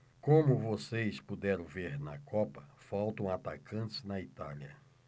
como vocês puderam ver na copa faltam atacantes na itália